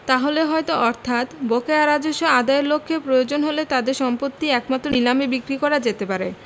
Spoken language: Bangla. তাহলে হয়ত অর্থাৎ বকেয়া রাজস্ব আদাযের লক্ষে প্রয়োজন হলে তাদের সম্পত্তি একমাত্র নিলামে বিক্রয় করা যেতে পারে